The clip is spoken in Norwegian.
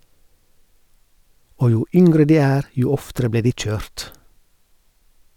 Og jo yngre de er, jo oftere ble de kjørt.